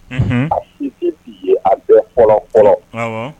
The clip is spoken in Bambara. Un a' ye a bɛɛ kɔlɔn kɔrɔ